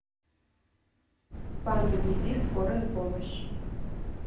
панда биби скорая помощь